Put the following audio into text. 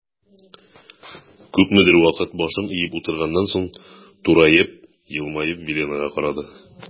Күпмедер вакыт башын иеп утырганнан соң, тураеп, елмаеп Виленга карады.